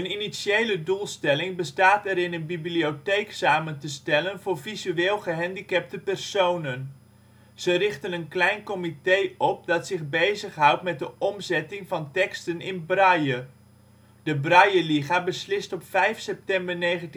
initiële doelstelling bestaat erin een bibliotheek samen te stellen voor visueel gehandicapte personen. Ze richten een klein comité op dat zich bezighoudt met de omzetting van teksten in braille. De Brailleliga beslist op 5 september 1922